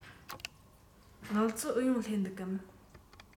ངལ རྩོལ ཨུ ཡོན སླེབས འདུག གམ